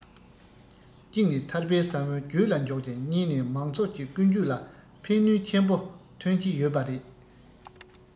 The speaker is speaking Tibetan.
གཅིག ནས ཐར བའི ས བོན རྒྱུད ལ འཇོག ཅིང གཉིས ནས མང ཚོགས ཀྱི ཀུན སྤྱོད ལ ཕན ནུས ཆེན པོ ཐོན གྱིན ཡོད པ རེད